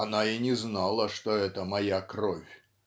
она и не знала, что это моя кровь"